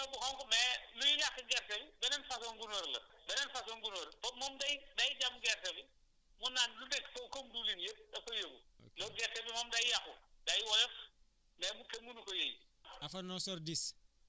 voilà léegi gunóor bu xonq mais luy yàq gerte yi beneen façon gunóor la beneen façon gunóor la boobu moom day day ñam gerte bi mu naan lu nekk foofu comme diwlin yëpp da koy yóbbu yow gerte bi moom day yàqu day woyof mais mu kenn mu nu ko yëy